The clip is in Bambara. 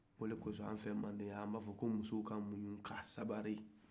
o de kɔsɔ an fɛ mande yan an b'a fɔ ko muso ka muɲu ka sabali